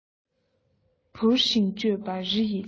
བུར ཤིང གཅོད པ རི ཡི ཕྱིར